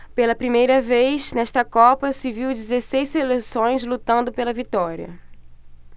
pela primeira vez nesta copa se viu dezesseis seleções lutando pela vitória